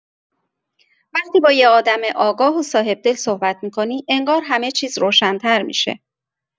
وقتی با یه آدم آگاه و صاحب‌دل صحبت می‌کنی، انگار همه چیز روشن‌تر می‌شه.